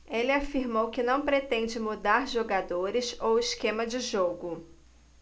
ele afirmou que não pretende mudar jogadores ou esquema de jogo